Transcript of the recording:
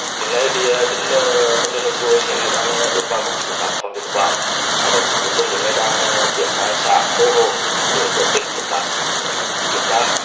hiện nay thì trên công trình hồ truồi hiện nay đang bước vào công tác phòng chống lụt bão và chúng tôi hiện nay đang triển khai xả khô hồ để tổ chức công tác kiểm tra